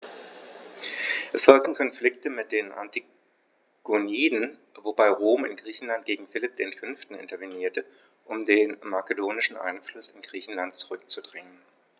Es folgten Konflikte mit den Antigoniden, wobei Rom in Griechenland gegen Philipp V. intervenierte, um den makedonischen Einfluss in Griechenland zurückzudrängen.